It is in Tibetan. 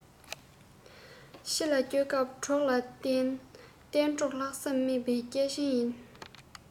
ཕྱི ལ སྐྱོད སྐབས གྲོགས ལ བརྟེན བསྟན འགྲོར ལྷག བསམ སྨན པའི སྐྱེ ཆེན ཡིན